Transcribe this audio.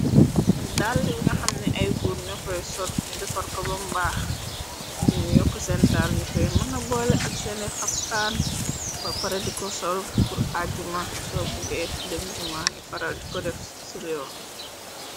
Dalle bi nga xamne ay góor ño koy sol, ñu defar ko bam baax, ngir mu yokk seen tàar, ñu koy mëna boole ak seeni xaftaan, ba pare diko sol pur àajuma, soo bugge dem juma, ngi faral di ko def ci réew mi.